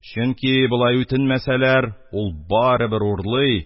Чөнки болай үтенмәсәләр, ул барыбер урлый